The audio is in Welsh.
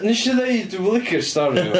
Wnes i ddeud dwi'm yn licio'r stori 'ma !